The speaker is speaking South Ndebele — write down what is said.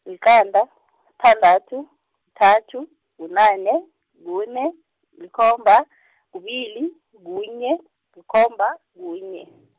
liqanda , sithandathu, kuthathu, kunane, kune, likhomba , kubili, kunye, likhomba, kunye.